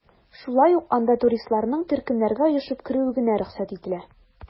Шулай ук анда туристларның төркемнәргә оешып керүе генә рөхсәт ителә.